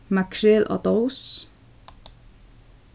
makrel á dós